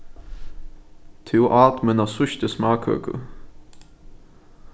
tú át mína síðstu smákøku